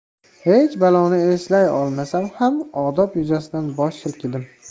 hech baloni eslay olmasam ham odob yuzasidan bosh silkidim